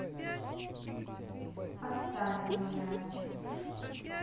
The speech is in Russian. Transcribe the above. отстань от меня